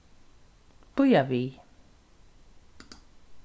bíða við